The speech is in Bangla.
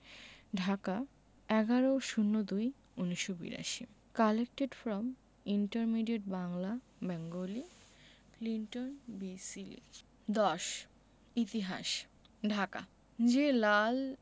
ঢাকা ১১/০২/১৯৮২ collected from intermediate Bangla Bengali Clinton B Seely ১০ ইতিহাস ঢাকা যে লাল